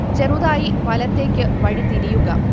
ചെറുതായി വലത്തേക്ക് വഴിതിരിയുക